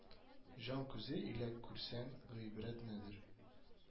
Җан күзе илә күр сән гыйбрәт нәдер